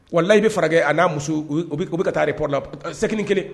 Wa ayi bɛ furakɛ a na muso u bi ka taa Aéroport la sɛginin kelen.